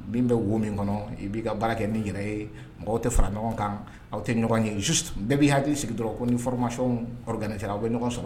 Min bɛ wo min kɔnɔ i b'i ka baara kɛ n'i yɛrɛ ye mɔgɔw tɛ fara ɲɔgɔn kan aw tɛ ɲɔgɔn ye juste bɛɛ b'i hakili sigi dɔrɔn ko ni formation organisé ra a' bɛ ɲɔgɔn sɔrɔ